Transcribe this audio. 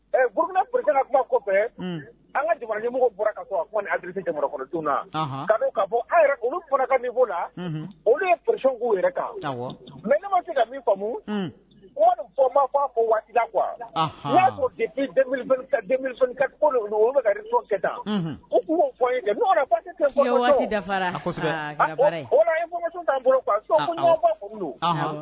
Buru kɔfɛ an jamana jamana dun bɔ olu la olu p k'u yɛrɛ kan mɛ se ka famu kuwa u kɛta u bolo